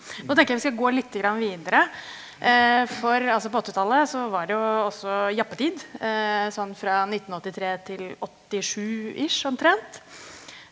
nå tenker jeg vi skal gå lite grann videre, for altså på åttitallet så var det jo også jappetid sånn fra 1983 til åttisju-ish omtrent.